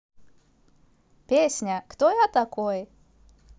песня кто я такой